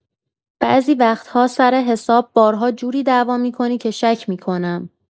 بعضی وقت‌ها سر حساب بارها جوری دعوا می‌کنی که شک می‌کنم.